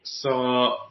So